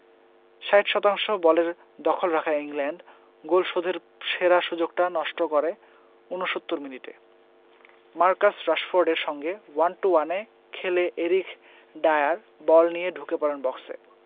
৬০ শতাংশ বলের দখল রাখা ইংল্যান্ড গোল শোধের সেরা সুযোগটা নষ্ট করে ৬৯ মিনিটে মার্কাস রাশফোর্ডের সঙ্গে ওয়ান টু ওয়ানে খেলে এরিক ডায়ার বল নিয়ে ঢুকে পড়েন বক্সে